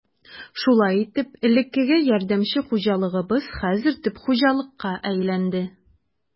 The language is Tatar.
Шулай итеп, элеккеге ярдәмче хуҗалыгыбыз хәзер төп хуҗалыкка әйләнде.